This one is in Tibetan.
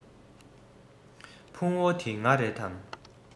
ཕུང བོ འདི ང རེད དམ